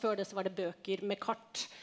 før det så var det bøker med kart.